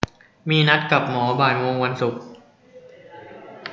มีนัดกับหมอบ่ายโมงวันศุกร์